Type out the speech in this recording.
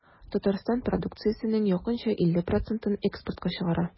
Татарстан продукциясенең якынча 50 процентын экспортка чыгара.